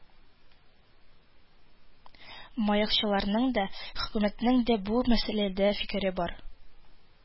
«маяк»чыларның да, хөкүмәтнең дә бу мәсьәләдә фикере бер